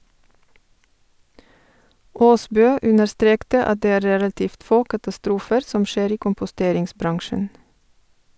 Aasbø understrekte at det er relativt få katastrofer som skjer i komposteringsbransjen.